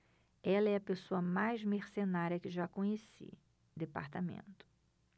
ela é a pessoa mais mercenária que já conheci